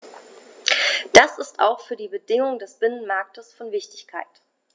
Das ist auch für die Bedingungen des Binnenmarktes von Wichtigkeit.